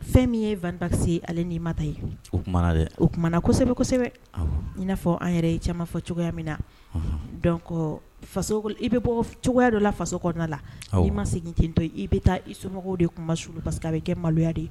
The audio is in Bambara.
Fɛn min ye Van Baxi ye ale ni Mata ye u kumana dɛ u kumana kosɛbɛ kosɛbɛ awɔ i n'a fɔ an yɛrɛ ye caman fɔ cogoya min na unhun donc faso kol i bɛ bɔ cogoya dɔ la faso kɔnɔna la awɔ i maa segin tentɔ i bɛ taa i somɔgɔw de kunmasulu parce que a bɛ kɛ maloya de ye